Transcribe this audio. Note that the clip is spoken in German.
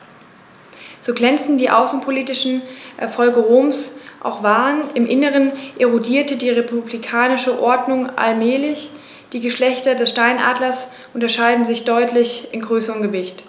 So glänzend die außenpolitischen Erfolge Roms auch waren: Im Inneren erodierte die republikanische Ordnung allmählich. Die Geschlechter des Steinadlers unterscheiden sich deutlich in Größe und Gewicht.